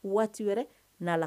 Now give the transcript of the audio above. Waati wɛrɛ na